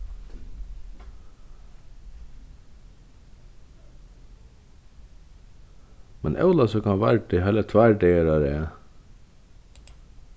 men ólavsøkan vardi heilar tveir dagar á rað